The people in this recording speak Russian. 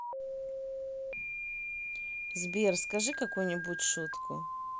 сбер скажи какую нибудь шутку